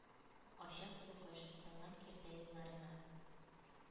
Ачам сугыш, салам киртә юлларыңа!